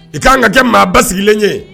I ka kanan ka kɛ maa ba sigilenlen ye